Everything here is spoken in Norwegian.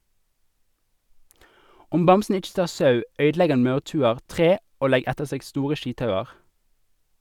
Om bamsen ikkje tar sau, øydelegg han maurtuer, tre og legg etter seg store skithaugar.